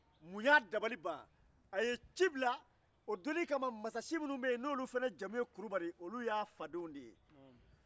a ye ci bila a faden masasi kulubaliw ma